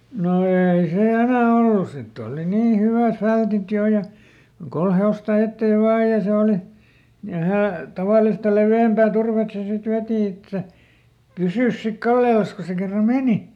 no ei se enää ollut sitten oli niin hyvät fältit jo ja kolme hevosta eteen vain ja se oli ja - tavallista leveämpää turvetta se sitten veti että pysyisi sitten kallellansa kun se kerran meni